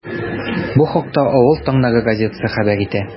Бу хакта “Авыл таңнары” газетасы хәбәр итә.